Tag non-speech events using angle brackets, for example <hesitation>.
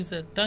<hesitation> <hesitation>